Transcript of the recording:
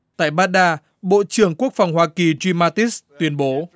tại bát đa bộ trưởng quốc phòng hoa kỳ gim mát tít tuyên bố